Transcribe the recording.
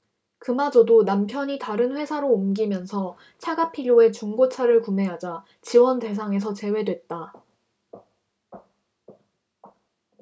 그마저도 남편이 다른 회사로 옮기면서 차가 필요해 중고차를 구매하자 지원대상에서 제외됐다